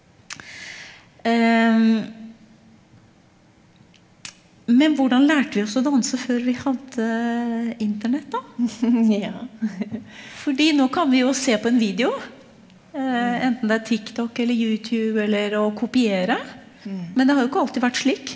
men hvordan lærte vi oss danse før vi hadde internett da, fordi nå kan vi jo se på en video enten det er TikTok eller YouTube eller å kopiere, men det har jo ikke alltid vært slik.